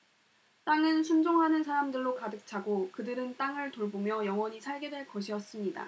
땅은 순종하는 사람들로 가득 차고 그들은 땅을 돌보며 영원히 살게 될 것이었습니다